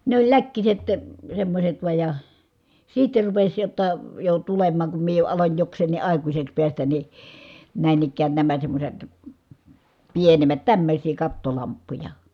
ne oli läkkiset semmoiset vain ja sitten rupesi jotta jo tulemaan kun minä jo aloin jokseenkin aikuiseksi päästä niin näin ikään nämä semmoiset pienemmät tämmöisiä kattolamppuja